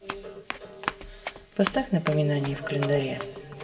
поставь напоминание в календаре